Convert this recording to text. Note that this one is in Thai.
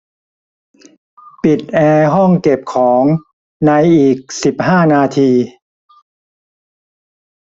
ปิดแอร์ห้องเก็บของในอีกสิบห้านาที